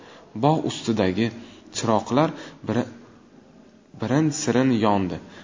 bog' ustidagi chiroqlar birin sirin yondi